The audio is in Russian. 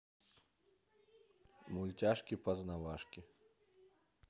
мультяшки познавашки